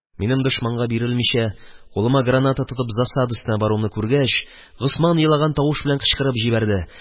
Минем дошманга бирелмичә, кулыма граната тотып засада өстенә баруымны күргәч, Госман елаган тавыш белән кычкырып җибәрде: